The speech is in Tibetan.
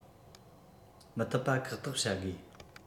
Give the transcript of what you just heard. མི ཐུབ པ ཁག ཐེག བྱ དགོས